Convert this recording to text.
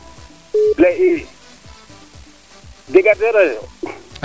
leye ii jeg tiro reseau